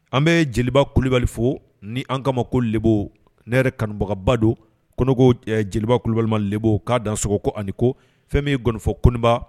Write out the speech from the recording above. An bɛ jelibabali fo ni an kama ma ko leb ne yɛrɛ kanubagaba don koko jeliba kulubalima b k'a da sogoɔgɔko ani ko fɛn bɛ gfɔ koba